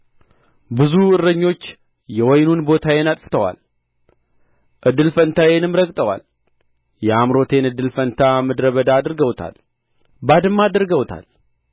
ብዙ እረኞች የወይኑን ቦታዬን አጥፍተዋል እድል ፈንታዬንም ረግጠዋል የአምሮቴን እድል ፈንታ ምድረ በዳ አድርገውታል ባድማ አድርገውታል